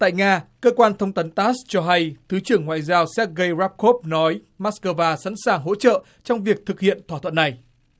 tại nga cơ quan thông tấn tát cho hay thứ trưởng ngoại giao xéc gây ráp khốp nói mát cơ va sẵn sàng hỗ trợ trong việc thực hiện thỏa thuận này